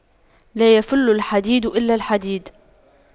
لا يَفُلُّ الحديد إلا الحديد